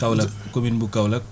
Kaolack commune bu Kaolack